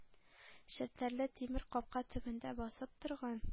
Челтәрле тимер капка төбендә басып торган